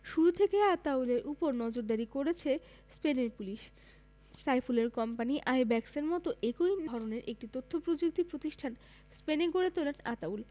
শুরু থেকেই আতাউলের ওপর নজরদারি করেছে স্পেনের পুলিশ সাইফুলের কোম্পানি আইব্যাকসের মতো একই ধরনের একটি তথ্যপ্রযুক্তি প্রতিষ্ঠান স্পেনে গড়ে তোলেন আতাউল